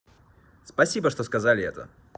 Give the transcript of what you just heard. спасибо что сказали это